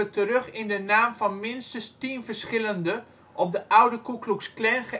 terug in de naam van minstens tien verschillende op de oude Ku Klux Klan